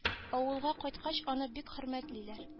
Авылга кайткач аны бик хөрмәтлиләр